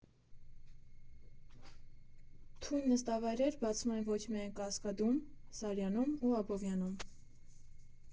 Թույն նստավայրեր բացվում են ոչ միայն Կասկադում, Սարյանում ու Աբովյանում։